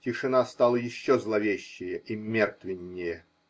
тишина стала еще зловещее и мертвеннее